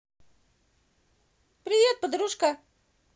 привет подружка